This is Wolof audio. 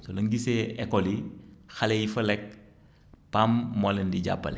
soo leen gisee écoles yi xale yi fa lekk PAM moo leen di jàppale